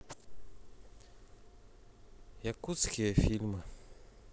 якутские фильмы